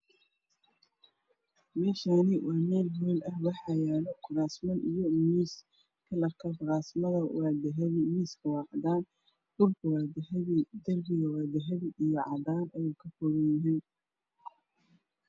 Meeshaan waa meel hool ah waxaa yaalo kuraasman iyo miisas. Kalarka kuraasta waa dahabi, miiskana waa cadaan. Dhulkana waa dahabi, darbiguna Waa cadaan iyo dahabi.